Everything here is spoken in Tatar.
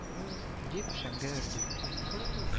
Дип, шәмгә өрде